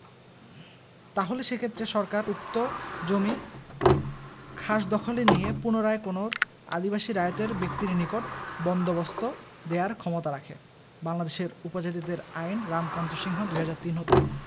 তাহলে সেক্ষেত্রে সরকার উক্ত জমি খাসদখলে নিয়ে পুনরায় কোনও আদিবাসী রায়তের ব্যক্তির নিকট বন্দোবস্ত দেয়ার ক্ষমতা রাখে বাংলাদেশের উপজাতিদের আইন রামকান্ত সিংহ ২০০৩ হতে